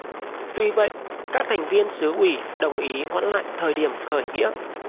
tuy vậy các thành viên xứ ủy đồng ý hoãn lại thời điểm khởi nghĩa